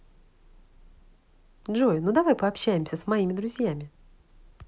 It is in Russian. джой ну давай пообщаемся с моими друзьями